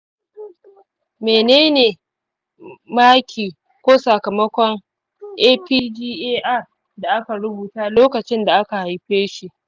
mene ne maki ko sakamakon apgar da aka rubuta lokacin da aka haife shi?